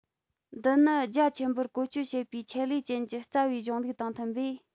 འདི ནི རྒྱ ཆེན པོར བཀོལ སྤྱོད བྱེད པའི ཆེད ལས ཅན གྱི རྩ བའི གཞུང ལུགས དང མཐུན པས